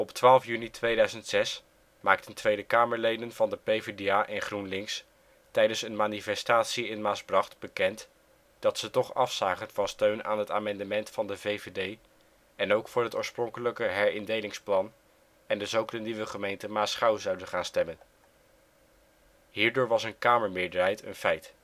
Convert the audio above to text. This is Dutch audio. juni 2006 maakten Tweede Kamerleden van de PvdA en GroenLinks tijdens een manifestatie in Maasbracht bekend dat ze toch afzagen van steun aan het amendement van de VVD en ook voor het oorspronkelijke herindelingsplan en dus ook de nieuwe gemeente Maasgouw zouden gaan stemmen. Hierdoor was een kamermeerderheid een feit